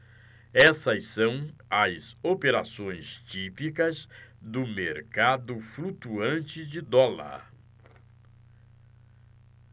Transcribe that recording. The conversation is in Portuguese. essas são as operações típicas do mercado flutuante de dólar